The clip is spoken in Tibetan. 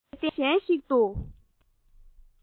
བྲལ ཏེ མི ཚང གཞན ཞིག ཏུ